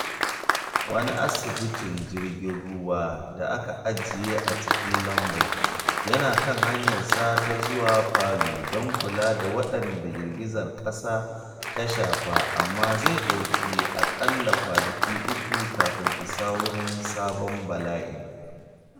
Wani asibitin jirgin ruwa da aka ajiye a cikin Lombok yana kan hanyarsa ta zuwa Palu don kula da waɗanda girgizar ƙasar ta shafa, amma zai ɗauki aƙalla kwanaki uku kafin isa wurin sabon bala’in.